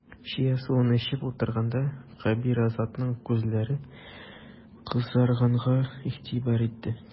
Чия суын эчеп утырганда, Кәбир Азатның күзләре кызарганга игътибар итте.